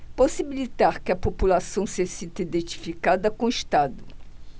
possibilitar que a população se sinta identificada com o estado